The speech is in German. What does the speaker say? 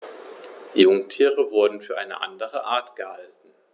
Jungtiere wurden für eine andere Art gehalten.